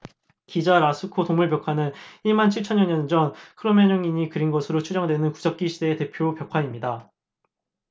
기자 라스코 동굴벽화는 일 만 칠 천여 년 전 크로마뇽인이 그린 것으로 추정되는 구석기시대 대표 벽화입니다